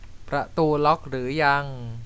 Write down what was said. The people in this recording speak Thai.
ประตูล็อคหรือยัง